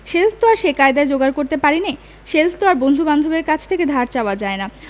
shelf তো আর সে কায়দায় যোগাড় করতে পারি নে শেলফ তো আর বন্ধুবান্ধবের কাছ থেকে ধার চাওয়া যায় না